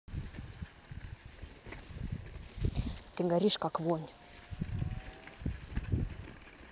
ты горишь как вонь